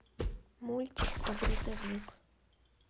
мультик про грузовик